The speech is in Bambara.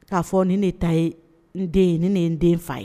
K'a fɔ nin de ta ye n den ye nin de ye n den fa ye